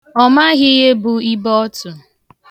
Ọ maghị ihe bụ ibeọtụ.